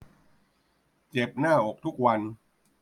เจ็บหน้าอกทุกวัน